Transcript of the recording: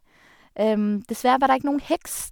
Dessverre var det ikke noen heks.